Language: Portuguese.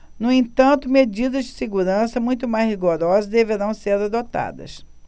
no entanto medidas de segurança muito mais rigorosas deverão ser adotadas